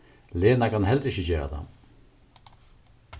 lena kann heldur ikki gera tað